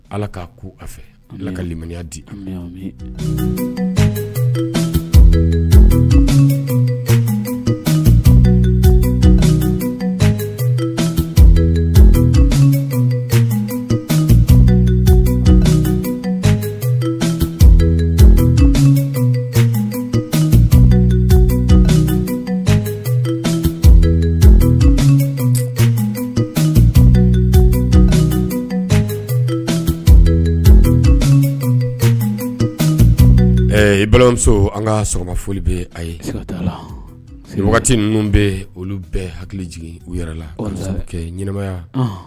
Ala k'a ko a fɛ kaliya di balimamuso an ka sɔgɔma foli bɛ ye wagati ninnu bɛ olu bɛɛ hakili jigin u yɛrɛ lamaya